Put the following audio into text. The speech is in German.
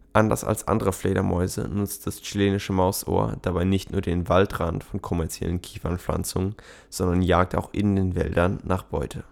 Anders als andere Fledermäuse nutzt das Chilenische Mausohr dabei nicht nur den Waldrand von kommerziellen Kiefernpflanzungen, sondern jagt auch in den Wäldern nach Beute